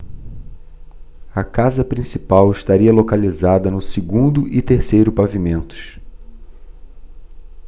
a casa principal estaria localizada no segundo e terceiro pavimentos